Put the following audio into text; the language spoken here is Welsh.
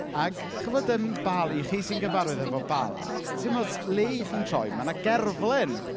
Ac chimod ym Bal- i chi sy'n gyfarwydd efo Bala, 'sdim ots le y'ch chi'n troi, ma' 'na gerflun!